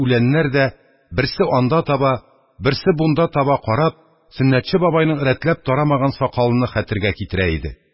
Үләннәр дә берсе анда таба, берсе бунда таба карап, сөннәтче бабайның рәтләп тарамаган сакалыны хәтергә китерә иде